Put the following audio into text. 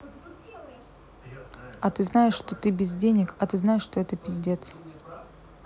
а ты знаешь что ты без денег а ты знаешь это пиздец